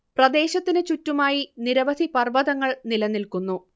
പ്രദേശത്തിന് ചുറ്റുമായി നിരവധി പർവതങ്ങൾ നിലനിൽക്കുന്നു